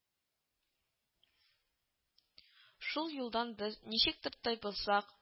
Шул юлдан без, ничектер тайпылсак